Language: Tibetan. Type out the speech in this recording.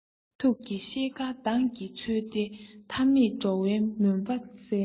ཐུགས ཀྱི ཤེལ དཀར མདངས ཀྱིས འཚེར ཏེ མཐའ མེད འགྲོ བའི མུན པ བསལ